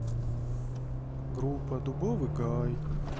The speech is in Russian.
группа дубовый гай